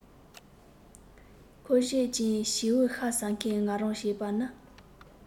ཁོ བྱེད ཅིང བྱིའུ ཤ ཟ མཁན ང རང བྱེད པ ནི